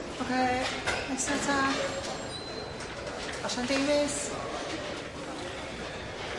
Ocê, nesa ta. Osian Davies?